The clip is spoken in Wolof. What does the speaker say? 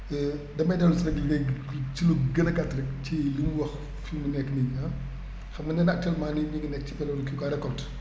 damay dellu si rek léegi ci lu gën a gàtt rekk ci li mu wax fii mu nekk nii ah xam nga nee na actuellement nii ñu ngi nekk ci période kii quoi récolte